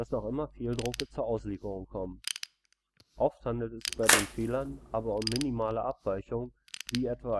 immer Fehldrucke zur Auslieferung kommen. Oft handelt es sich bei den Fehlern aber um minimale Abweichungen wie etwa